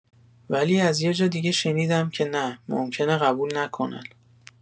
ولی از یه جا دیگه شنیدم که نه ممکنه قبول نکنن!